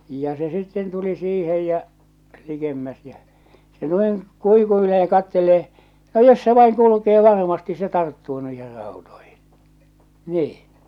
ja se sitten tuli siihen ja likemmäs ja se noin kuikuilee ja katselee no jos se vain kulkee varmasti se tarttuu noihin rautoihin niin